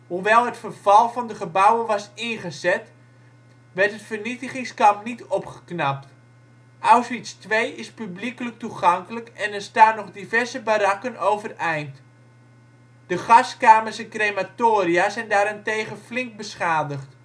Hoewel het verval van de gebouwen was ingezet, werd het vernietigingskamp niet opgeknapt. Auschwitz II is publiekelijk toegankelijk en er staan nog diverse barakken overeind. De gaskamers en crematoria zijn daarentegen flink beschadigd